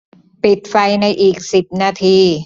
ปิดไฟในอีกสิบนาที